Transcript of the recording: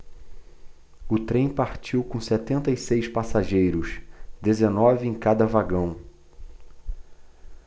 o trem partiu com setenta e seis passageiros dezenove em cada vagão